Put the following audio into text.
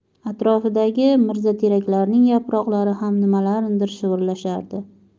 atrofidagi mirzateraklarning yaproqlari ham nimalarnidir shivirlashardi